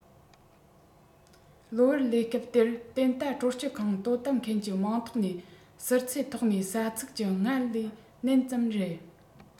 ལོ བར ལས སྐབས དེར དབན ཏ སྤྲོ སྐྱིད ཁང དོ དམ མཁན གྱི མིང ཐོག ནས ཟུར ཚད ཐོག ནས ས ཚིགས ཀྱི སྔར ལས ནན ཙམ རེད